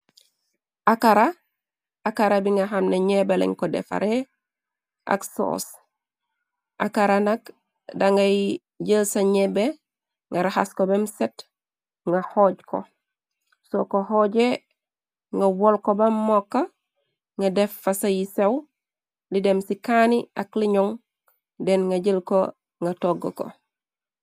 Akara, akara bi nga xamne njebeh len ko defare ak sauce, akara nak da ngay jel sa njehbeh nga raxas ko bem set, nga xooj ko, sor ko xooje nga wol ko bam mokkah, nga def fa sa yi sew, li dem ci kaani ak lijon, den nga jel ko, nga toggu ko.